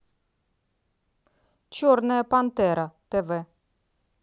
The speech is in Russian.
черная пантера тв